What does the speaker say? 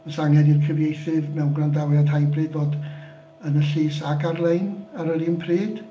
Oes angen i'r cyfieithydd mewn gwrandawiad hybrid fod yn y llys ac ar-lein ar yr un pryd.